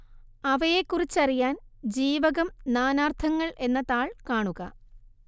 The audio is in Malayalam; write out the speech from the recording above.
അവയെക്കുറിച്ചറിയാൻ ജീവകം നാനാർത്ഥങ്ങൾ എന്ന താൾ കാണുക